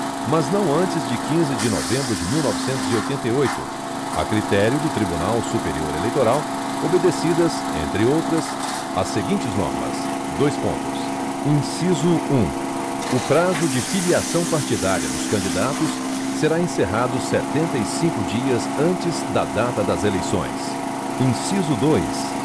mas não antes de quinze de novembro de mil e novecentos e oitenta e oito a critério do tribunal superior eleitoral obedecidas entre outras as seguintes normas dois pontos inciso um o prazo de filiação partidária dos candidatos será encerrado setenta e cinco dias antes da data das eleições inciso dois